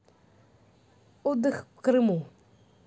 отдых в крыму